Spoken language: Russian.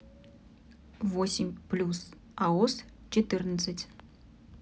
восемь плюс аос четырнадцать